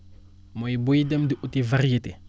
mooy buy dem di uti variété